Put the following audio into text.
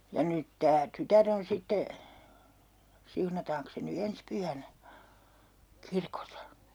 ja nyt tämä tytär on sitten siunataankos se nyt ensi pyhänä kirkossa